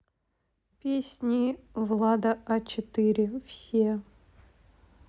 песни влада а четыре все